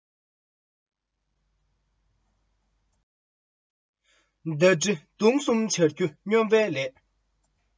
མདའ གྲི མདུང གསུམ འཕྱར རྒྱུ སྨྱོན པའི ལས